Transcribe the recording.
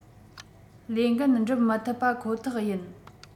ལས འགན འགྲུབ མི ཐུབ པ ཁོ ཐག ཡིན